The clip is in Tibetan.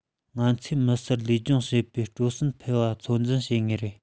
ང ཚོས མི སེར ལུས སྦྱོང བྱེད པའི སྤྲོ སེམས འཕེལ བ ཚོད འཛིན ཚོད འཛིན བྱེད ངེས རེད